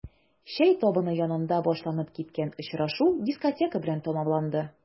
Чәй табыны янында башланып киткән очрашу дискотека белән тәмамланды.